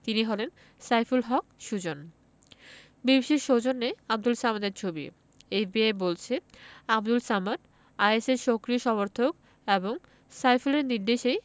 তিনি হলেন সাইফুল হক সুজন বিবিসির সৌজন্যে আবদুল সামাদের ছবি এফবিআই বলছে আবদুল সামাদ আইএসের সক্রিয় সমর্থক এবং সাইফুলের নির্দেশেই